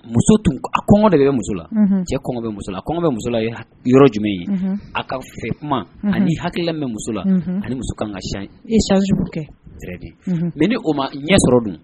Muso tun a kɔngɔ de bɛ muso la cɛ kɔngɔ musolagɔ bɛ musola ye yɔrɔ jumɛn ye a ka fɛ kuma ani hakili bɛ musola ani muso ka kasan mɛ ni o ma ɲɛ sɔrɔ dun